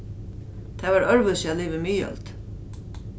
tað var øðrvísi at liva í miðøld